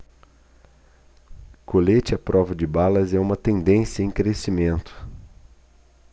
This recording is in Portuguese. colete à prova de balas é uma tendência em crescimento